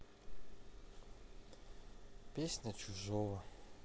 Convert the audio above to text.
песня чужого